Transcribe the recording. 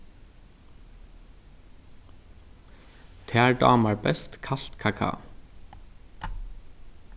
tær dámar best kalt kakao